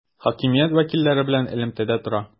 Хакимият вәкилләре белән элемтәдә тора.